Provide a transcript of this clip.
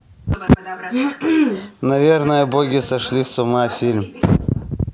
наверное боги сошли с ума фильм